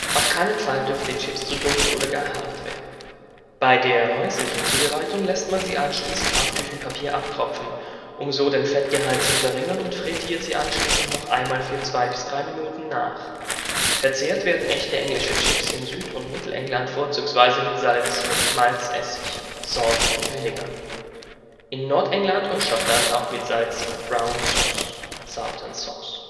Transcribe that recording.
auf keinen Fall dürfen die Chips zu dunkel oder gar hart werden. Bei der (unüblichen) häuslichen Zubereitung lässt man sie anschließend auf Küchenpapier abtropfen, um so den Fettgehalt zu verringern und frittiert sie anschließend noch einmal für zwei bis drei Minuten nach. Verzehrt werden echte englische Chips in Süd - und Mittelengland vorzugsweise mit Salz und Malzessig (salt’ n’ vinegar), in Nordengland und Schottland auch mit Salz und Brown sauce (salt’ n’ sauce